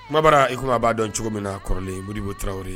Kumabaraa i comme a' b'a dɔn cogomin na kɔrɔlen Modibo Traore